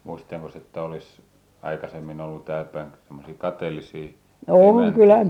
muistattekos että olisi aikaisemmin ollut täällä päin semmoisia kateellisia emäntiä